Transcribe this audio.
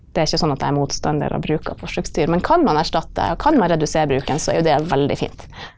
det er ikke sånn at jeg er motstander av bruk av forsøksdyr, men kan man erstatte det, og kan man redusere bruken, så er jo det veldig fint.